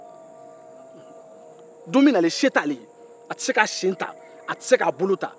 don bɛ nalen se t'ale ye a tɛ se k'a bolo ta a tɛ se k'a sen ta a tɛ se ka foyi kɛ a yɛrɛ ye